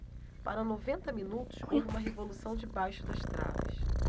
para noventa minutos houve uma revolução debaixo das traves